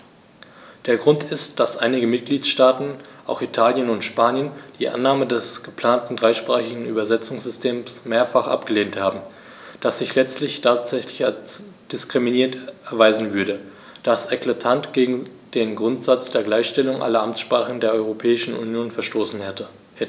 Der Grund ist, dass einige Mitgliedstaaten - auch Italien und Spanien - die Annahme des geplanten dreisprachigen Übersetzungssystems mehrfach abgelehnt haben, das sich letztendlich tatsächlich als diskriminierend erweisen würde, da es eklatant gegen den Grundsatz der Gleichstellung aller Amtssprachen der Europäischen Union verstoßen hätte.